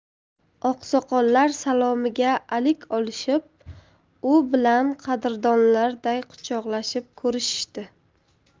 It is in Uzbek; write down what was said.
oqsoqollar salomiga alik olishib u bilan qadrdonlarday quchoqlashib ko'rishishdi